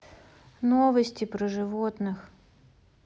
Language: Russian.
новости про животных